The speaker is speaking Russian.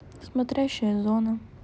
смотрящая зона